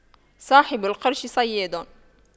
صاحب القرش صياد